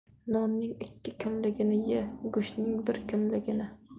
nonning ikki kunligini ye go'shtning bir kunligini